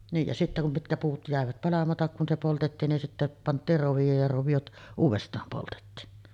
niin ja sitten kun mitkä puut jäivät palamatta kun se poltettiin niin sitten pantiin rovioon ja roviot uudestaan poltettiin